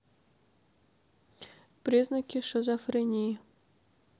признаки шизофрении